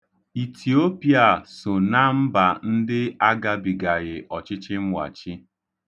Itiopia so na mba ndị agabigaghị ọchịchịmwachi.